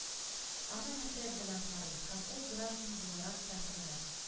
Аңа нәфрәт белән карый һәм ул граждан буларак та хөрмәт